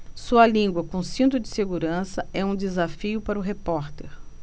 sua língua com cinto de segurança é um desafio para o repórter